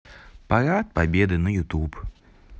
парад победы на ютуб